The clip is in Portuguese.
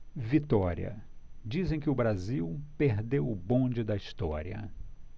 vitória dizem que o brasil perdeu o bonde da história